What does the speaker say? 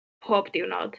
Pob diwrnod.